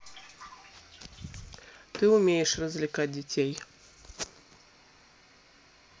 ты умеешь развлекать детей